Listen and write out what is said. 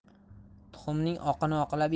tuxumning oqini oqlab